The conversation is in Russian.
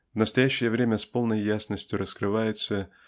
В настоящее время с полною ясностью раскрывается